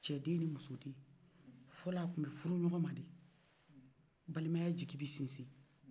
cɛden ni musoden fɔlɔ a kun bi furu ɲɔngɔnma den balimaya jigi bɛ sinsin